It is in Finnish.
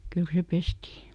kyllä se pestiin